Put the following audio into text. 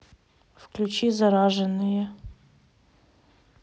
включи зараженные